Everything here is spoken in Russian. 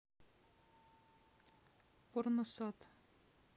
порно сад